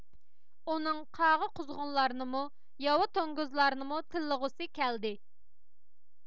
ئۇنىڭ قاغا قۇزغۇنلارنىمۇ ياۋا توڭگۇزلارنىمۇ تىللىغۇسى كەلدى